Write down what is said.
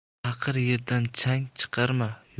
taqir yerdan chang chiqarma